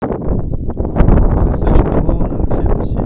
улица чкалова номер семьдесят семь